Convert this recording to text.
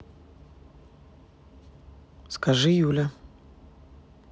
скажи юля